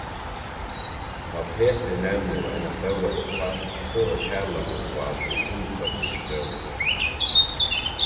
tá petur nevnir eina stóra upphædd so er talan upp á til hundrað túsund krónur